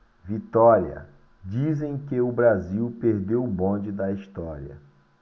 vitória dizem que o brasil perdeu o bonde da história